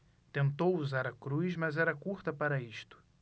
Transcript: tentou usar a cruz mas era curta para isto